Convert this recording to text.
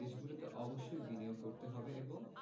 দেশগুলোকে অবশ্যই বিনিয়োগ করতে হবে এবং